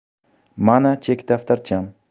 mana chek daftarcham